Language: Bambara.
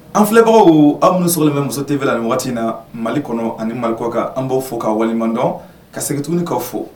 An filɛbagaw aw nunun sɔgɔlen bɛ muso T V la nin waati in na Mali kɔnɔ ani Mali kɔ kan . An baw fɔ ka waleɲan dɔn . Ka segin tuguni kaw fo